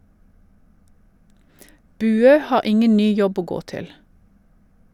Buø har ingen ny jobb å gå til.